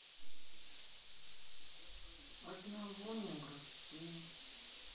одного не грусти